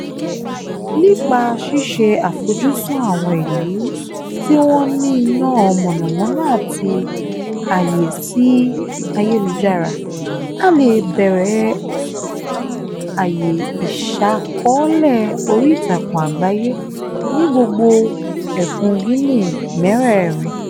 Nípa ṣíṣe àfojúsùn àwọn ìlú tí wọ́n ní iná mọ̀nàmọ́ná àti àyè sí ayélujára, a lè bẹ̀rẹ̀ àyè ìṣàkọọ́lẹ̀ oríìtakùn àgbáyé ní gbogbo ẹkùn Guinea mẹ́rẹ̀ẹ̀rin.